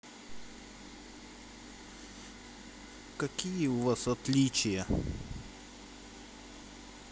какие у вас отличия